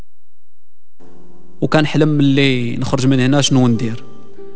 وكان حلم اللي يخرج من هنا شنو ندير